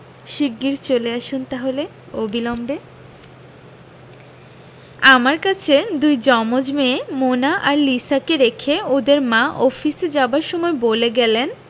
শিগগির চলে আসুন তাহলে অবিলম্বে আমার কাছে দুই জমজ মেয়ে মোনা আর লিসাকে রেখে ওদের মা অফিসে যাবার সময় বলে গেলেন